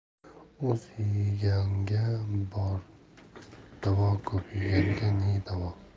oz yeganga bor davo ko'p yeganga ne davo